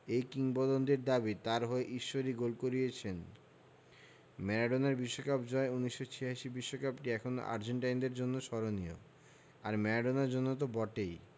এই কিংবদন্তির দাবি তাঁর হয়ে ঈশ্বরই গোল করিয়েছেন ম্যারাডোনার বিশ্বকাপ জয় ১৯৮৬ বিশ্বকাপটি এখনো আর্জেন্টাইনদের জন্য স্মরণীয় আর ম্যারাডোনার জন্য তো বটেই